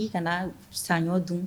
I kana sanɲɔ dun